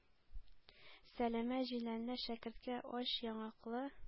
Сәләмә җиләнле шәкерткә ач яңаклы,